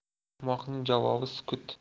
ahmoqning javobi sukut